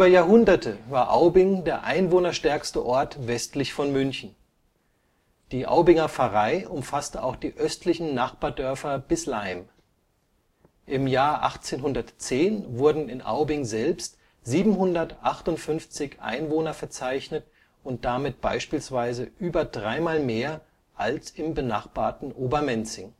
Jahrhunderte war Aubing der einwohnerstärkste Ort westlich von München. Die Aubinger Pfarrei umfasste auch die östlichen Nachbardörfer bis Laim. Im Jahr 1810 wurden in Aubing selbst 758 Einwohner verzeichnet und damit beispielsweise über dreimal mehr als im benachbarten Obermenzing